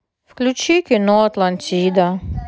включи кино атлантида